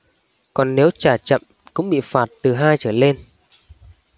còn nếu trả chậm cũng bị phạt từ hai trở lên